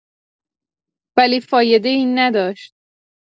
ولی فایده‌ای نداشت.